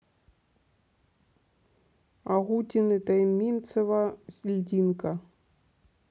агутин и тойминцева льдинка